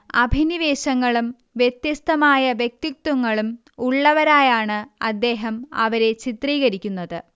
അഭിനിവേശങ്ങളും വ്യത്യസ്തമായ വ്യക്തിത്വങ്ങളും ഉള്ളവരായാണ് അദ്ദേഹം അവരെ ചിത്രീകരിക്കുന്നത്